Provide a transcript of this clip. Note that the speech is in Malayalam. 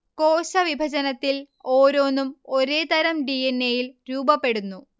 കോശവിഭജനത്തിൽ ഓരോന്നും ഒരേ തരം ഡി. എൻ. എയിൽ രൂപപ്പെടുന്നു